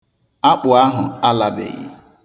Akpụ ahụ alabeghi.